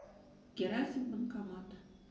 герасев банкомат